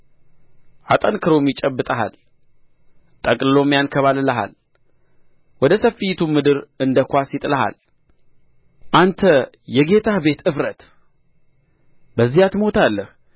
አጠንክሮም ይጨብጥሃል ጠቅልሎም ያንከባልልሃል ወደ ሰፊይቱም ምድር እንደ ኳስ ይጥልሃል አንተ የጌታህ ቤት እፍረት በዚያ ትሞታለህ